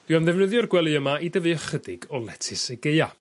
Dwi am ddefnyddio'r gwely yma i dyfu ychydig o letys y Gaea